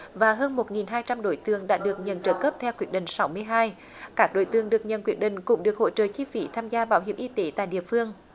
và hơn một nghìn hai trăm đối tượng đã được nhận trợ cấp theo quyết định sáu mươi hai các đối tượng được nhận quyết định cũng được hỗ trợ chi phí tham gia bảo hiểm y tế tại địa phương